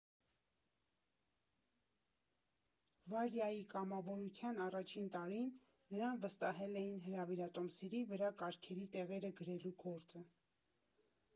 Վարյայի կամավորության առաջին տարին նրան վստահել էին հրավիրատոմսերի վրա կարգերի տեղերը գրելու գործը։